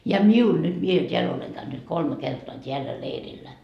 ja minulla nyt minä täällä olen käynyt kolme kertaa täällä leirillä